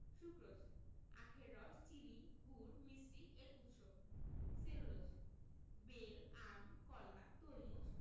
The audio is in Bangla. সুক্রোজ আখের রস চিনি গুড় মিছরি এর উৎস সেলুলোজ বেল আম কলা তরমুজ